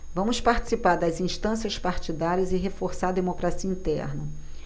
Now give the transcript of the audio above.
vamos participar das instâncias partidárias e reforçar a democracia interna